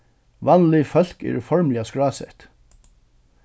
vanlig fólk eru formliga skrásett